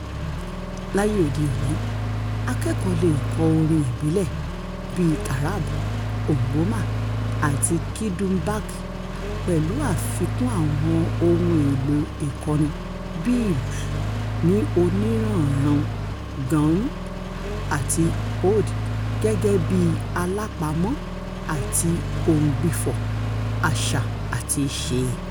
Láyé òde òní, akẹ́kọ̀ọ́ leè kọ́ orin ìbílẹ̀ bíi taarab, ngoma àti kidumbak, pẹ̀lú àfikún àwọn ohun èlò ìkọrin bíi ìlù ní oníranànran, qanun àti oud, gẹ́gẹ́ bí alápamọ́ — àti òǹgbifọ̀ — àṣà àti ìṣe.